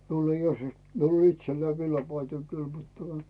minulla ei olisi minulla on itselläni villapaitoja kyllä mutta tuota